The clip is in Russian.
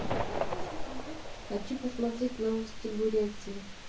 хочу посмотреть новости бурятии